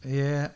Ie.